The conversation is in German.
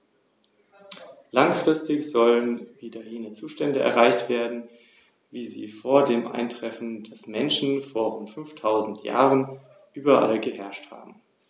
Zudem finden sich viele lateinische Lehnwörter in den germanischen und den slawischen Sprachen.